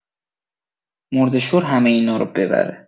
مرده‌شور همه اینارو ببره.